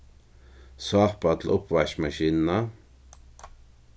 sápa til uppvaskimaskinuna